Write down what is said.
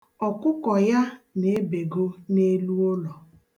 Ọkụkọ ya na-ebego n'elu ụlọ.